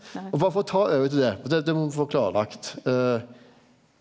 og berre for å ta over til det for det det må me få klarlagt .